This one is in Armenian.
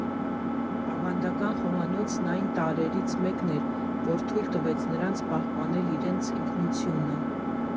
Ավանդական խոհանոցն այն տարրերից մեկն էր, որ թույլ տվեց նրանց պահպանել իրենց ինքնությունը։